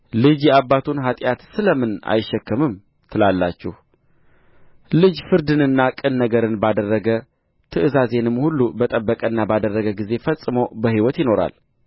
ልጅ የአባቱን ኃጢአት ስለ ምን አይሸከምም ትላላችሁ ልጅ ፍርድንና ቅን ነገርን ባደረገ ትእዛዜንም ሁሉ በጠበቀና ባደረገ ጊዜ ፈጽሞ በሕይወት ይኖራል